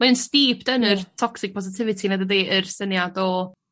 Mae o'n steeped yn yr toxic positivity 'na dydi yr syniad o